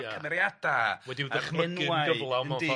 efo cymeriada... Wedi i'w dychmygu'n gyflawn mewn ffor. Yndi.